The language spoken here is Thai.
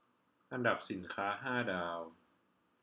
อันดับสินค้าห้าดาว